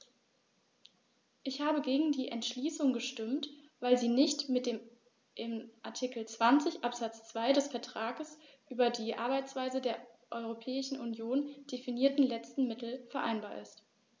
Ich habe gegen die Entschließung gestimmt, weil sie nicht mit dem in Artikel 20 Absatz 2 des Vertrags über die Arbeitsweise der Europäischen Union definierten letzten Mittel vereinbar ist.